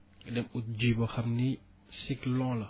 def ko ji boo xam ni cycle long la